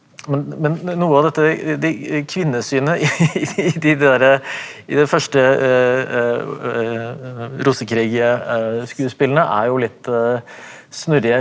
men men noe av dette kvinnesynet i de derre i de første Rosekrig skuespillene er jo litt snurrige.